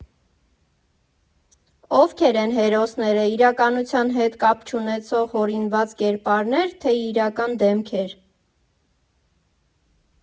Ովքե՞ր են հերոսները՝ իրականության հետ կապ չունեցող հորինված կերպարնե՞ր, թե՞ իրական դեմքեր։